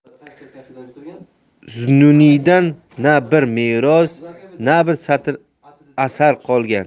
zunnuniydan na bir meros na bir satr asar qolgan